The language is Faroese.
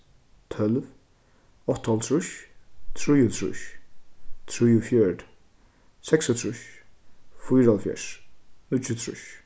tólv áttaoghálvtrýss trýogtrýss trýogfjøruti seksogtrýss fýraoghálvfjerðs níggjuogtrýss